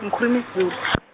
ngikhulumi Zul- .